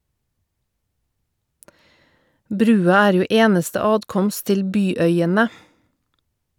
Brua er jo eneste atkomst til byøyene.